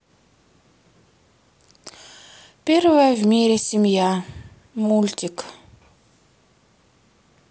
первая в мире семья мультик